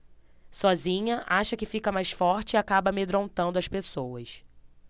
sozinha acha que fica mais forte e acaba amedrontando as pessoas